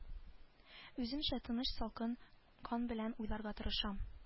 Үземчә тыныч салкын кан белән уйларга тырышам